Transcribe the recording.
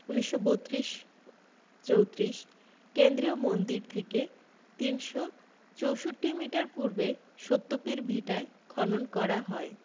১৯৩২ ৩৪ কেন্দ্রীয় মন্দির থেকে ৩৬৪ মিটার পূর্বে সত্যপীর ভিটায় খনন করা হয়